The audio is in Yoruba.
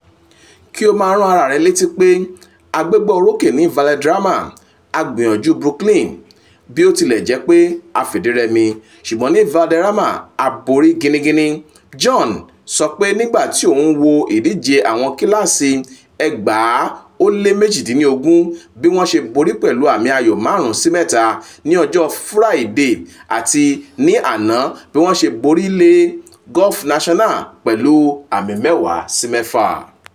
“Kí ó máa rán ara rẹ létí pé a gbégbá orókè ní Valderrama; a gbìyànjú Brookline bí ó tilẹ̀ jẹ́ pé a fìdí rẹmi, ṣùgbọ́n ní Valderrama a bórí gíníngínín. Bjorn, sọ pé nígbàtí òun wó ìdíje àwọn kíílàsì 2018 bí wọ́n ṣe borí pẹ̀lú 5-3 ní ọjọ́ Furaide àti ní àná bí wọ́n ṣe borí Le Golf National pẹ̀lú 10-6.